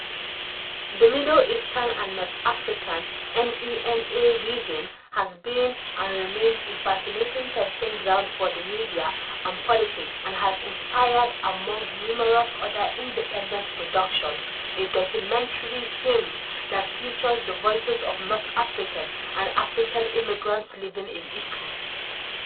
The Middle Eastern and North African (MENA) region has been (and remains) a fascinating testing ground for the media and politics and has inspired, among numerous other independent productions, a documentary film that features the voices of North African and African immigrants living in Italy.